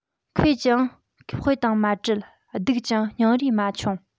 མཁས ཀྱང དཔེ དང མ བྲལ སྡུག ཀྱང སྙིང རུས མ ཆུང